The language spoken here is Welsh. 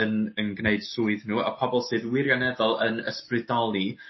yn yn gneud swydd n'w y pobol sydd wirioneddol yn ysbrydoli